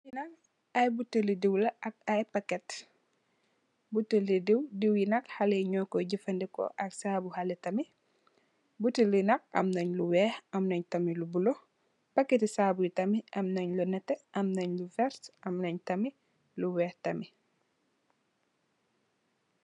Li nak butèèl li diw la ak ay paket, butèèlli diw, diw yi nak xalèh yi ño koy jafandiko ak sabu xalèh tamit. Butèèl yi nak am ya yu wèèx am na tamit yu bula. Paketti sabu yi tamit am na yu netteh am na werta am na tamit yu ñuul.